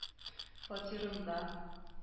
Фатирында